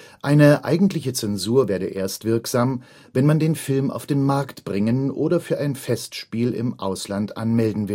Eine eigentliche Zensur werde erst wirksam, wenn man den Film auf den Markt bringen oder für ein Festspiel im Ausland anmelden